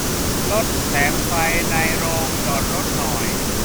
ลดแสงไฟในโรงจอดรถหน่อย